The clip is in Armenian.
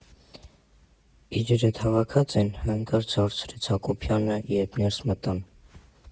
Իրերդ հավաքած ե՞ն, ֊ հանկարծ հարցրեց Հակոբյանը, երբ ներս մտան։